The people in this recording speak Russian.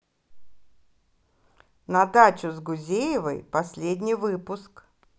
на дачу с гузеевой последний выпуск